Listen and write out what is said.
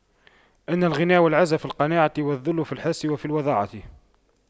إن الغنى والعز في القناعة والذل في الحرص وفي الوضاعة